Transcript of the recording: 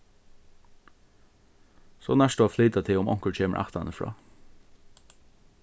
so nært tú at flyta teg um onkur kemur aftanífrá